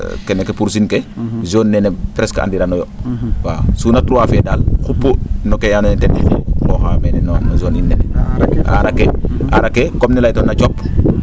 kene ke pursiin ke zone ne presque andiranooyo waaw suuna trois fee daal xupu no kee andoona yee ten i ngooxaayo mene no zone in nene aara ake aara ake comme nene laytanoona